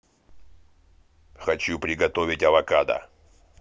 хочу приготовить авокадо